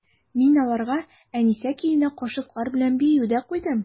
Мин аларга «Әнисә» көенә кашыклар белән бию дә куйдым.